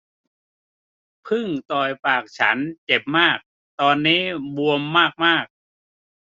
ผึ้งต่อยปากฉันเจ็บมากตอนนี้บวมมากมาก